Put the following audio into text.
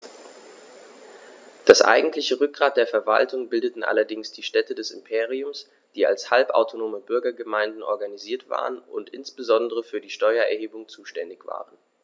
Das eigentliche Rückgrat der Verwaltung bildeten allerdings die Städte des Imperiums, die als halbautonome Bürgergemeinden organisiert waren und insbesondere für die Steuererhebung zuständig waren.